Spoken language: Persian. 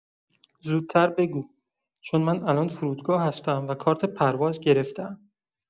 زودتر بگو، چون من الان فرودگاه هستم و کارت پرواز گرفته‌ام.